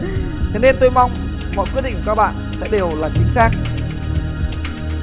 thế nên tôi mong mọi quyết định các bạn sẽ đều là chính xác